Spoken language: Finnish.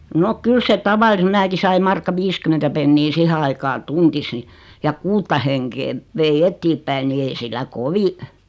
no kyllä se tavallisen minäkin sain markka viisikymmentä penniä siihen aikaa tunnissa niin ja kuutta henkeä vein eteenpäin niin ei sillä kovin